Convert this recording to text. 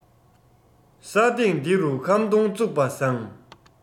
ས སྟེང འདི རུ ཁམ སྡོང བཙུགས པ བཟང